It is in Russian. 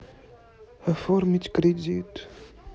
оформить кредит